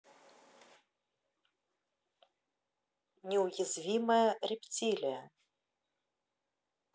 неуязвимая рептилия